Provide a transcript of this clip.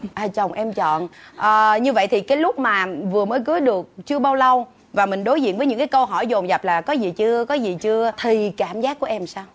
à chồng em chọn à như vậy thì cái lúc mà vừa mới cưới được chưa bao lâu và mình đối diện với những cái câu hỏi dồn dập là có gì chưa có gì chưa thì cảm giác của em sao